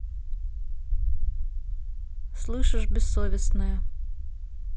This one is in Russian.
слышишь бессовестная